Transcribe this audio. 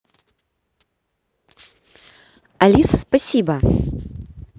алиса спасибо